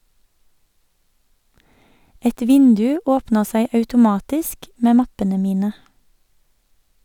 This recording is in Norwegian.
Et vindu åpner seg automatisk med mappene mine.